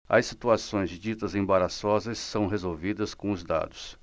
as situações ditas embaraçosas são resolvidas com os dados